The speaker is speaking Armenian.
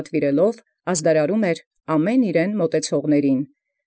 Մատուցելոց առ նա՝ զնոյն պատուիրեալ գուշակէր։